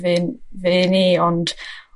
f'un, fy un i ond